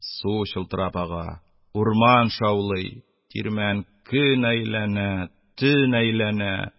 Су чылтырап ага... урман шаулый... тирмән көн әйләнә, төн әйләнә.